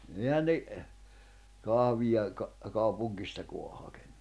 eihän ne kahvia - kaupungistakaan hakenut